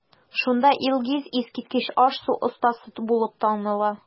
Шунда Илгиз искиткеч аш-су остасы булып таныла.